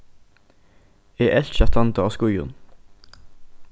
eg elski at standa á skíðum